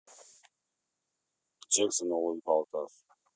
джексон ол эбаут ас